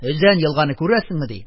Өзән елганы күрәсеңме? - ди.